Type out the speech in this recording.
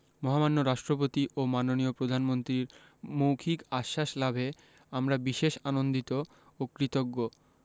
মহামান্য রাষ্ট্রপতি ও মাননীয় প্রধানমন্ত্রীর মৌখিক আশ্বাস লাভে আমরা বিশেষ আনন্দিত ও কৃতজ্ঞ